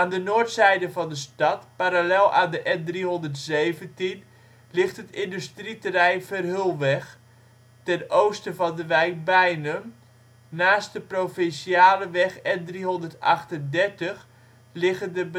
de noordzijde van de stad, parallel aan de N317, ligt het bedrijventerrein Verheullweg. Ten oosten van de wijk Beinum, naast de provinciale weg N338, liggen de bedrijventerreinen